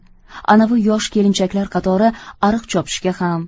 anovi yosh kelinchaklar qatori ariq chopishga ham